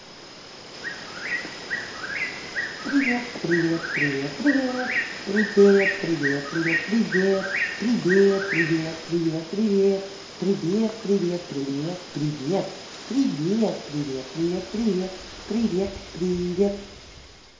привет привет привет привет привет привет привет привет привет привет привет привет привет привет привет привет привет привет привет привет привет привет